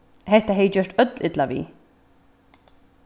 hetta hevði gjørt øll illa við